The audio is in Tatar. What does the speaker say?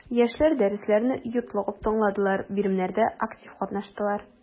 Яшьләр дәресләрне йотлыгып тыңладылар, биремнәрдә актив катнаштылар.